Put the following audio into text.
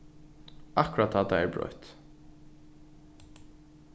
akkurát tá tað er broytt